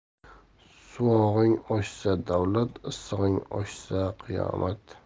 sovug'ing oshsa davlat issig'ing oshsa qiyomat